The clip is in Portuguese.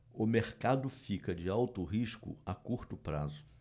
o mercado fica de alto risco a curto prazo